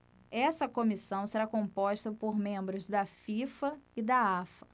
essa comissão será composta por membros da fifa e da afa